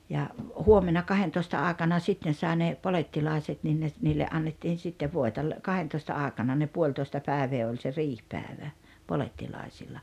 ja huomenna kahdentoista aikana sitten sai ne polettilaiset niin ne - niille annettiin sitten voita - kahdentoista aikana ne puolitoista päivää oli se riihipäivä polettilaisilla